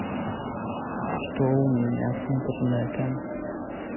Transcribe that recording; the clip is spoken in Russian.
что у меня с интернетом